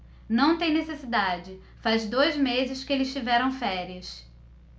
não tem necessidade faz dois meses que eles tiveram férias